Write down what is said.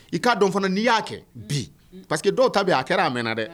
I kaa dɔn fana n'i y'a kɛ bi pa parce que dɔw tabi a kɛra a mɛnna dɛ